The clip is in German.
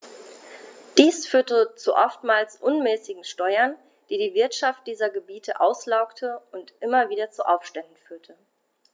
Dies führte zu oftmals unmäßigen Steuern, die die Wirtschaft dieser Gebiete auslaugte und immer wieder zu Aufständen führte.